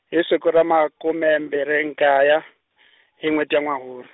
hi siku ra makume mbhiri nkaya , hi nwheti ya Nyawuri.